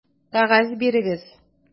Кәгазь бирегез!